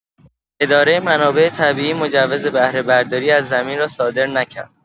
اداره منابع طبیعی مجوز بهره‌برداری از زمین را صادر نکرد.